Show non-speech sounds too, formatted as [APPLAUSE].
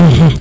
[HESITATION] [HESITATION]